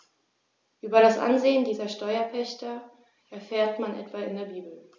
Über das Ansehen dieser Steuerpächter erfährt man etwa in der Bibel.